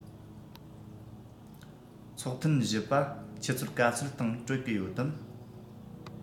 ཚོགས ཐུན བཞི པ ཆུ ཚོད ག ཚོད སྟེང གྲོལ གི ཡོད དམ